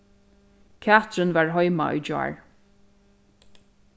katrin var heima í gjár